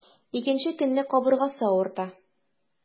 Икенче көнне кабыргасы авырта.